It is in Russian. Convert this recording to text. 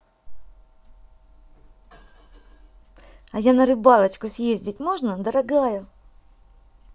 а я на рыбалочку съезди можно дорогая